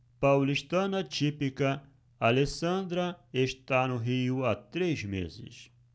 paulistana típica alessandra está no rio há três meses